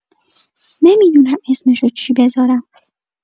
نمی‌دونم اسمشو چی بذارم.